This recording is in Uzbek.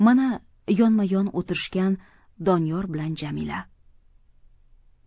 mana yonma yon o'tirishgan doniyor bilan jamila